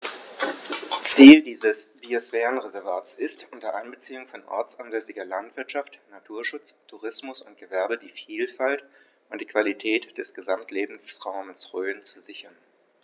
Ziel dieses Biosphärenreservates ist, unter Einbeziehung von ortsansässiger Landwirtschaft, Naturschutz, Tourismus und Gewerbe die Vielfalt und die Qualität des Gesamtlebensraumes Rhön zu sichern.